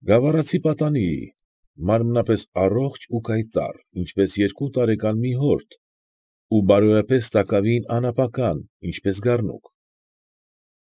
Գավառացի պատանի էի, մարմնապես առողջ ու կայտառ, ինչպես երկու տարեկան մի հորթ, ու բարոյապես տակավին անապական, ինչպես գառնուկ։